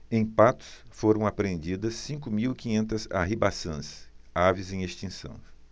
em patos foram apreendidas cinco mil e quinhentas arribaçãs aves em extinção